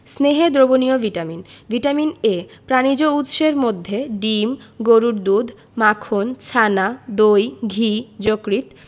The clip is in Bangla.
স্নেহে দ্রবণীয় ভিটামিন ভিটামিন A প্রাণিজ উৎসের মধ্যে ডিম গরুর দুধ মাখন ছানা দই ঘি যকৃৎ